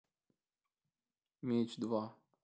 меч два